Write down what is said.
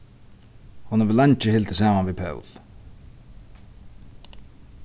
hon hevur leingi hildið saman við pól